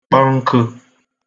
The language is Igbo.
kpọ nkə̣